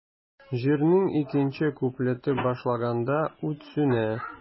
Җырның икенче куплеты башланганда, ут сүнә.